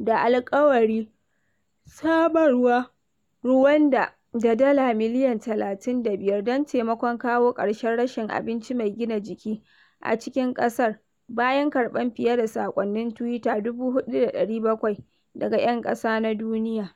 da alƙawari samar wa Ruwanda da dala miliyan 35 don taimakon kawo ƙarshen rashin abinci mai gina jiki a cikin ƙasar bayan karɓan fiye da sakonnin Twitter 4,700 daga 'Yan Ƙasa na Duniya.